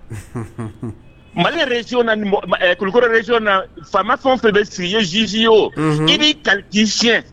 Mali yɛrɛ kulu na faama fɛn fɛ bɛ sigi ye zsi ye o i b'i ka si